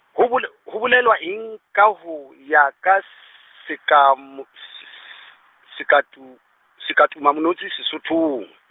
ho bole, ho bolelwa eng kaho ya ka s- seka mo-, s- sekatu-, sekatumanotshi Sesothong?